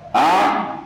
A